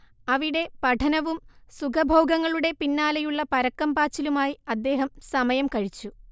അവിടെ പഠനവും സുഖഭോഗങ്ങളുടെ പിന്നാലെയുള്ള പരക്കം പാച്ചിലുമായി അദ്ദേഹം സമയം കഴിച്ചു